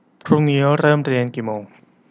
พรุ่งนี้เริ่มเรียนกี่โมง